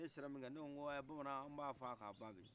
ne sela mun kɛ ne ko ɛɛ bamanan anw bɛ aw faga ka aw ban bi